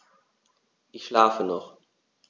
Ich schlafe noch.